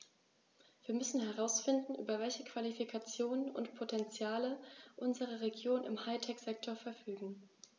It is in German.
Wir müssen herausfinden, über welche Qualifikationen und Potentiale unsere Regionen im High-Tech-Sektor verfügen.